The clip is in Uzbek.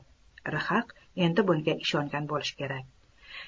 rhaq endi bunga ishongan bo'lishi kerak